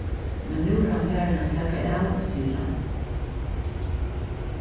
men nú er hann farin at slaka av sigur hann